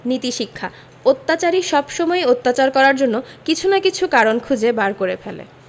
নীতিশিক্ষাঃ অত্যাচারী সবসময়ই অত্যাচার করার জন্য কিছু না কিছু কারণ খুঁজে বার করে ফেলে